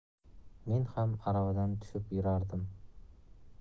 men ham aravadan tushib yurardim